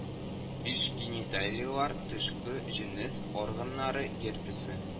Биш гениталийлар тышкы җенес органнары герпесы